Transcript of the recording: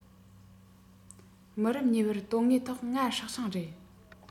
མི རབས གཉིས པར དོན དངོས ཐོག ང སྲོག ཤིང རེད